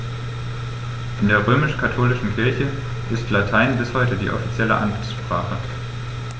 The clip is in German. In der römisch-katholischen Kirche ist Latein bis heute offizielle Amtssprache.